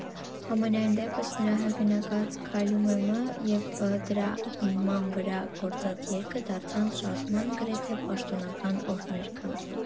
Համենայն դեպս՝ նրա հեղինակած «Քայլում եմ»֊ը և դրա հիման վրա գրված երգը դարձան շարժման գրեթե պաշտոնական օրհներգը։